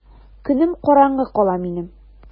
Көнем караңгы кала минем!